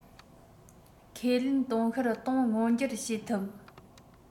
ཁས ལེན དུང ཕྱུར ༡༠༠༠ མངོན འགྱུར བྱེད ཐུབ